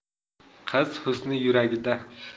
qiz husni yuragida